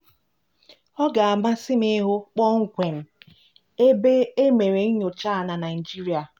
Ọ ga-amasị m ịhụ kpọmkwem EBE e mere nnyocha a na Naịjirịa.